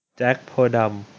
แจ็คโพธิ์ดำ